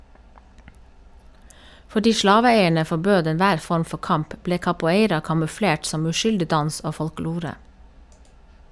Fordi slaveeierne forbød enhver form for kamp, ble capoeira kamuflert som uskyldig dans og folklore.